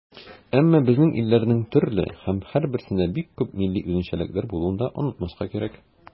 Әмма безнең илләрнең төрле һәм һәрберсендә бик күп милли үзенчәлекләр булуын да онытмаска кирәк.